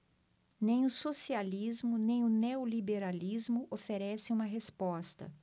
nem o socialismo nem o neoliberalismo oferecem uma resposta